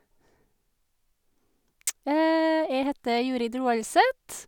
Jeg heter Jorid Roaldset.